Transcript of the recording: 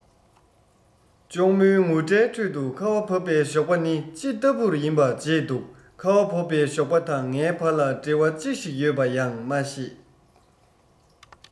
གཅུང མོའི ངུ སྒྲའི ཁྲོད དུ ཁ བ བབས པའི ཞོགས པ ནི ཅི ལྟ བུར ཡིན པ བརྗེད འདུག ཁ བ བབས པའི ཞོགས པ དང ངའི བར ལ འབྲེལ བ ཅི ཞིག ཡོད པ ཡང མ ཤེས